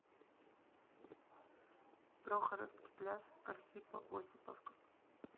прохоровский пляж архипо осиповка